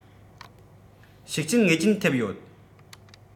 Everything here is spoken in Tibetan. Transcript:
ཤུགས རྐྱེན ངེས ཅན ཐེབས ཡོད